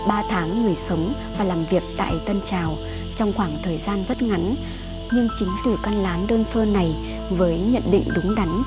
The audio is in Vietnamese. tháng người sống và làm việc tại tân trào trong khoảng thời gian rất ngắn nhưng chính từ căn lán đơn sơ này với nhận định đúng đắn